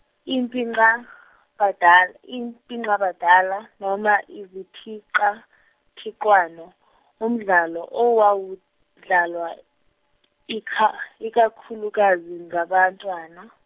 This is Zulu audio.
impica badal- impica badala noma iziphicaphicwano umdlalo owawu dlalwa, ikha- ikakhulukazi ngabantwana.